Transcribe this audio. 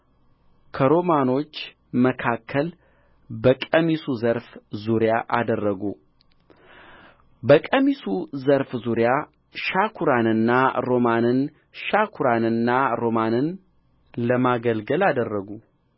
ከሮማኖች መካከል በቀሚሱ ዘርፍ ዙሪያ አደረጉ በቀሚሱ ዘርፍ ዙሪያ ሻኵራንና ሮማንን ሻኵራንና ሮማንን ለማገልገል አደረጉ